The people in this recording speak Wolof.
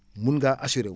mun ngaa assurer wu